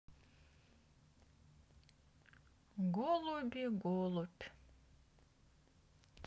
голуби голубь